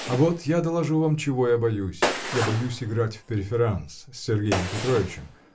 а вот, я доложу вам, чего я боюсь: я боюсь играть в преферанс с Сергеем Петровичем